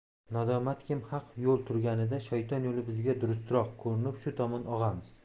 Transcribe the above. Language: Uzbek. nadomatkim haq yo'l turganida shayton yo'li bizga durustroq ko'rinib shu tomon og'amiz